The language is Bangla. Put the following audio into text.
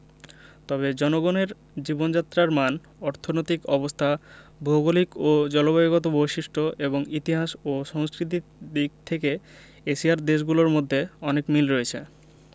তবে জনগণের জীবনযাত্রার মান অর্থনৈতিক অবস্থা ভৌগলিক ও জলবায়ুগত বৈশিষ্ট্য এবং ইতিহাস ও সংস্কৃতির দিক থেকে এশিয়ার দেশগুলোর মধ্যে অনেক মিল রয়েছে